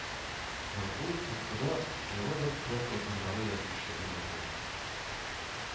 Һәм ул коткыда яңадан кырым татарлары язмышы уйнатыла